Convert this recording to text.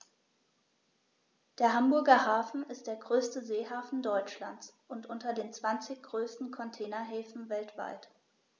Der Hamburger Hafen ist der größte Seehafen Deutschlands und unter den zwanzig größten Containerhäfen weltweit.